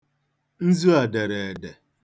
Nzu a dere ede.